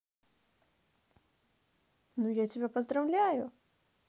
ну я тебя поздравляю